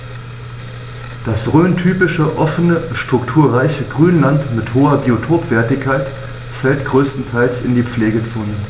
Das rhöntypische offene, strukturreiche Grünland mit hoher Biotopwertigkeit fällt größtenteils in die Pflegezone.